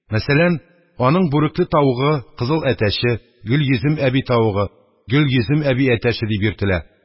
Мәсәлән, аның бүрекле тавыгы, кызыл әтәче «Гөлйөзем әби тавыгы», «Гөлйөзем әби әтәче» дип йөртелә;